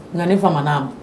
Nka ne fa